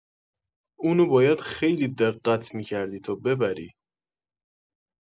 اونو باید خیلی دقت می‌کردی تا ببری